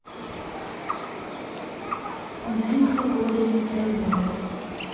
да непогода не управляет